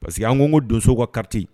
Parce que an ko donso ka ka kariti